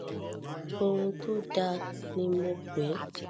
Ohun tó dáa ni mò pé.”